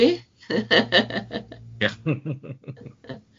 Ia